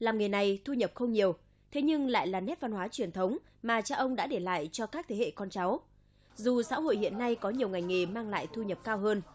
làm nghề này thu nhập không nhiều thế nhưng lại là nét văn hóa truyền thống mà cha ông đã để lại cho các thế hệ con cháu dù xã hội hiện nay có nhiều ngành nghề mang lại thu nhập cao hơn